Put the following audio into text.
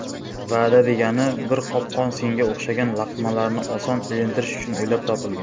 va'da degani bir qopqon senga o'xshagan laqmalarni oson ilintirish uchun o'ylab topilgan